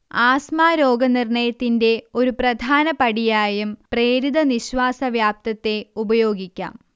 asthma രോഗനിർണയത്തിന്റെ ഒരു പ്രധാന പടിയായും പ്രേരിത നിശ്വാസ വ്യാപ്തത്തെ ഉപയോഗിക്കാം